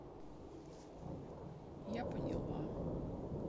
я поняла